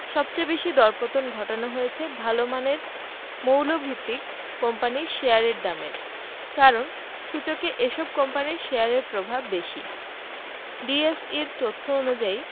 সবচেয়ে বেশি দরপতন ঘটানো হয়েছে ভালো মানের মৌলভিত্তির কোম্পানির শেয়ারের দামের কারণ সূচকে এসব কোম্পানির শেয়ারের প্রভাব বেশি ডিএসইর তথ্য অনুযায়ী